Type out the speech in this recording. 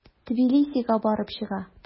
Тбилисига барып чыга.